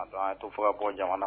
A a ye to fo ka bɔ jamana